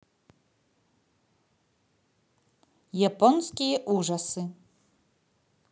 японские ужасы